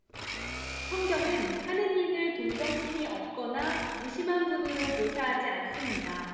성경은 하느님을 동정심이 없거나 무심한 분으로 묘사하지 않습니다